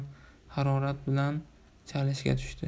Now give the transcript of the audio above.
harorat bilan chalishga tushdi